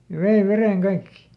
ja vei veden kaikki